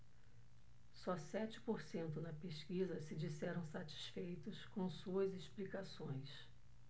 só sete por cento na pesquisa se disseram satisfeitos com suas explicações